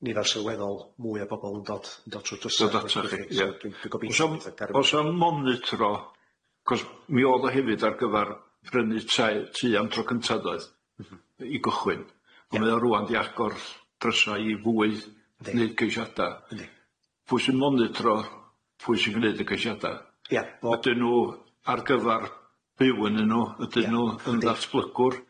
nifar sylweddol mwy o bobol yn dod yn dod trw'r drysau... Dod ata chi, ia... dwi'n gobeithio... So o's 'am monitro cos mi o'dd o hefyd ar gyfar prynu tai tŷ am tro cynta doedd i gychwyn... Ia... Ond mau o rŵan 'di agor drysa i fwy yndi neud ceishiada... Yndi... Pwy sy'n monitro pwy sy'n gneud y ceishiada? Ia.. Ydyn nw ar gyfar byw ynnynw ydyn nw yn ddatblygwr?